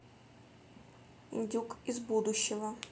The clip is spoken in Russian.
индюк из будущего